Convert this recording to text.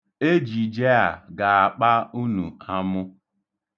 Ejije a ga-akpa unu amụ.